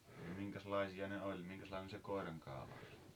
no minkäslaisia ne oli minkäslainen se koirankaula oli